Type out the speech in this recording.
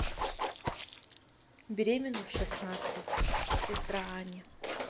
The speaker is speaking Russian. беременна в шестнадцать сестра ани